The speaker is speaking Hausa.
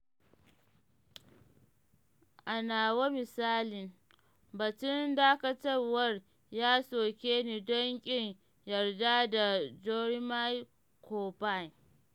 A nawa misalin, batun dakatarwar ya soke ni don ƙin yarda da Jeremy Corbyn.